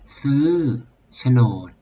ซื้อโฉนด